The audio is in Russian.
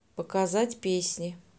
показать песни